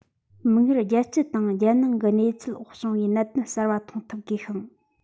མིག སྔར རྒྱལ སྤྱི དང རྒྱལ ནང གི གནས ཚུལ འོག བྱུང བའི གནད དོན གསར བ མཐོང ཐུབ དགོས ཤིང